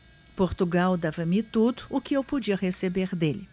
portugal dava-me tudo o que eu podia receber dele